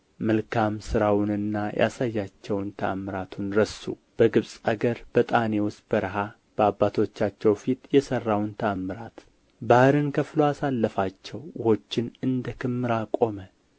መልካም ሥራውንና ያሳያቸውን ተኣምራቱን ረሱ በግብጽ አገርና በጣኔዎስ በረሃ በአባቶቻቸው ፊት የሠራውን ተኣምራት ባሕርን ከፍሎ አሳለፋቸው ውኆችን እንደ ክምር አቆመ